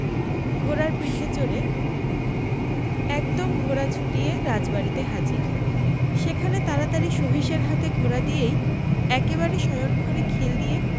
ঘোড়ার পিঠে চড়ে একদম ঘোড়া ছূটিয়ে রাজবাড়িতে হাজির সেখানে তাড়াতাড়ি সহিসের হাতে ঘোড়া দিয়েই একেবারে শয়ন ঘরে খিল দিয়ে